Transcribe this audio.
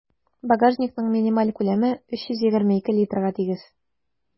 Багажникның минималь күләме 322 литрга тигез.